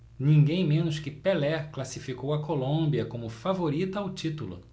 ninguém menos que pelé classificou a colômbia como favorita ao título